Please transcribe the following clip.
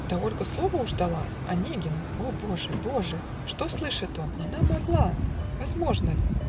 Да Ольга слово уж дала Онегину. О боже, боже! Что слышит он? Она могла. Возможно ль?